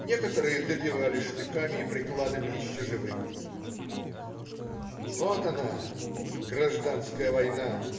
Некоторые добивали штыками и прикладами еще живых. Вот она, гражданская война